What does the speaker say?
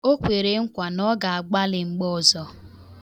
O kwere nkwa na ọ ga-agbalị mgbe ọzọ.